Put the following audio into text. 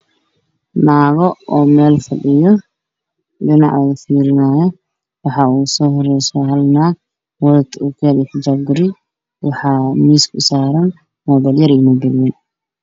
Naago oo meel fadhiya dhinac fiirinaayaan waxaa ugu soo horay so naag watado ookiyaal iyo xijaab gaduud waxaa miiska u saaran moobeel yar iyo moobeel wayn.